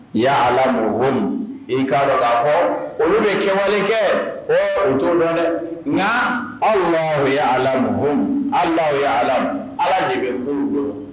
Ɲa ala ka la h olu bɛ kɛwale kɛ h uto dɔ dɛ nka ala ye alamu ala ye alamu ala de bɛ